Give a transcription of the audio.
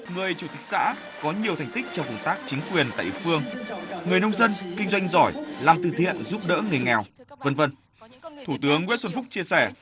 người chủ tịch xã có nhiều thành tích trong công tác chính quyền tại địa phương người nông dân kinh doanh giỏi làm từ thiện giúp đỡ người nghèo vân vân thủ tướng nguyễn xuân phúc chia sẻ